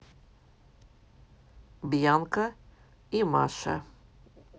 бьянка и маша